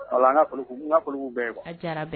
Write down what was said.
Kalan nafolo bɛɛ